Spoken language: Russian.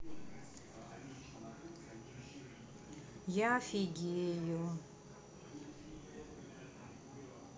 я фигею